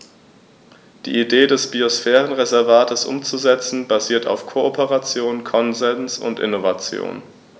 Die Idee des Biosphärenreservates umzusetzen, basiert auf Kooperation, Konsens und Innovation.